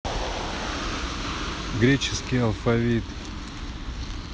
греческий алфавит